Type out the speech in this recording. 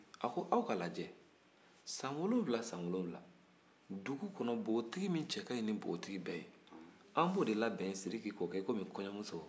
a ko aw k'a lajɛ san wolonfila o san wolonfila dugu kɔnɔ npogotigi min cɛ ka ɲi ni npogonin bɛɛ ye an b'o labɛn ni ko kɛ kɔmi kɔɲɔmuso